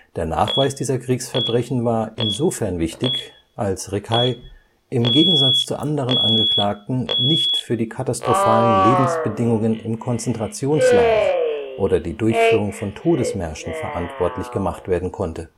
Der Nachweis dieser Kriegsverbrechen war insofern wichtig, als Rickey – im Gegensatz zu anderen Angeklagten – nicht für die katastrophalen Lebensbedingungen im Konzentrationslager oder die Durchführung von Todesmärschen verantwortlich gemacht werden konnte